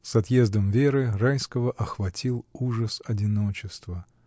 С отъездом Веры Райского охватил ужас одиночества.